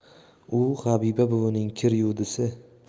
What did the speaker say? u habiba buvining kir yuvdisi